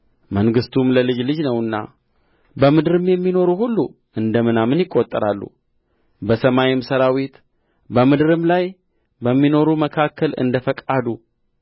መንግሥቱም ለልጅ ልጅ ነውና በምድርም የሚኖሩ ሁሉ እንደ ምናምን ይቈጠራሉ በሰማይም ሠራዊት በምድርም ላይ በሚኖሩ መካከል እንደ ፈቃዱ